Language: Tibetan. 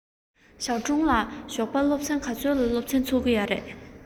ཞའོ ཀྲུང ལགས ཞོགས པ ཆུ ཚོད ག ཚོད ལ སློབ ཚན ཚུགས ཀྱི ཡོད རེད